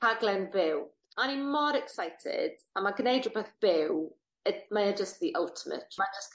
Rhaglen byw. A o'n i mor excited. A ma' gneud rhwbeth byw yy mae o jyst the ultimate. Mae jyst